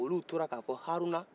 olu tora k'a fɔ haruna